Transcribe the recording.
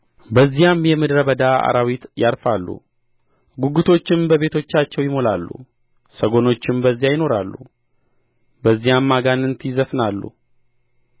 በዚያም የምድረ በዳ አራዊት ያርፋሉ ጕጕቶችም በቤቶቻቸው ይሞላሉ ሰጎኖችም በዚያ ይኖራሉ በዚያም አጋንንት ይዘፍናሉ